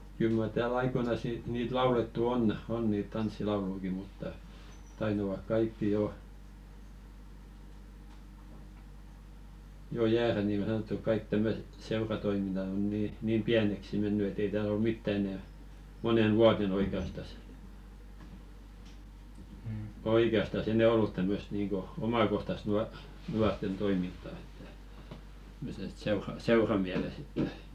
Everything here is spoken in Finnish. kyllä mar täällä aikoinaan - niitä laulettu on on niitä tanssilaulujakin mutta taitavat kaikki jo jo jäädä niin niin kuin sanottu kaikki tämmöiset seuratoiminnat on niin niin pieneksi mennyt että ei täällä ole mitään enää moneen vuoteen oikeastaan oikeastaan enää ollut tämmöistä niin kuin omakohtaista - nuorten toimintaa että että että - seuramielessä että